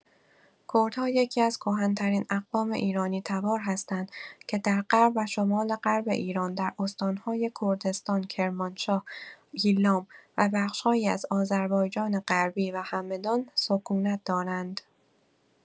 کردها یکی‌از کهن‌ترین اقوام ایرانی‌تبار هستند که در غرب و شمال‌غرب ایران، در استان‌های کردستان، کرمانشاه، ایلام و بخش‌هایی از آذربایجان‌غربی و همدان سکونت دارند.